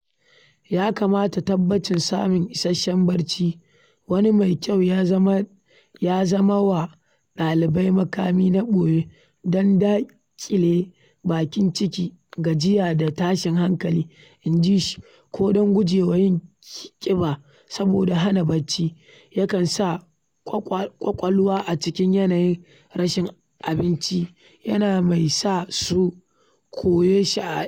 Ya kamata tabbacin samun isasshen barci, wani mai kyau, ya zama wa ɗalibi ‘makami na boye’ don daƙile baƙin ciki, gajiya da tashin hankali, inji shi - ko don guje wa yin ƙiba, saboda hana barci yakan sa ƙwaƙwalwa a cikin yanayin rashin abinci, yana mai sa su koyaushe a yunwa.